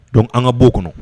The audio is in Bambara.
Donc an ka b'o kɔnɔ